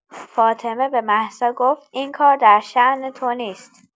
فاطمه به مهسا گفت این کار درشان تو نیست.